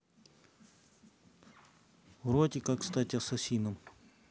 уроки как стать ассасином